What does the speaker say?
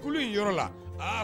Kulu y'i yɔrɔ la